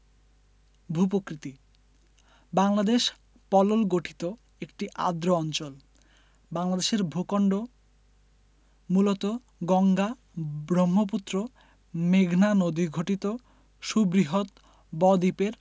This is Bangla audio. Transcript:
ভূ প্রকৃতিঃ বাংলদেশ পলল গঠিত একটি আর্দ্র অঞ্চল বাংলাদেশের ভূখন্ড মূলত গঙ্গা ব্রহ্মপুত্র মেঘনা নদীগঠিত সুবৃহৎ বদ্বীপের